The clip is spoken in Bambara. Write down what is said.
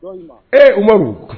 Yɔrɔ kuman? De, Umaru!